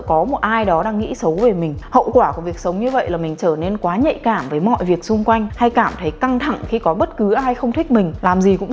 có một ai đó đang nghĩ xấu về mình hậu quả của việc sống như vậy là mình trở nên quá nhạy cảm với mọi việc xung quanh hay cảm thấy căng thẳng khi có bất cứ ai không thích mình làm gì cũng sợ